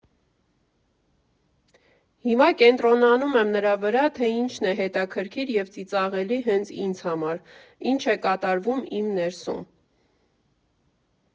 Հիմա կենտրոնանում եմ նրա վրա, թե ինչն է հետաքրքիր և ծիծաղելի հենց ինձ համար, ինչ է կատարվում իմ ներսում։